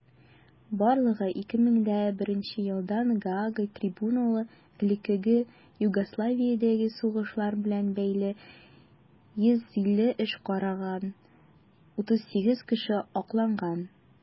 Барлыгы 2001 елдан Гаага трибуналы элеккеге Югославиядәге сугышлар белән бәйле 150 эш караган; 38 кеше акланган.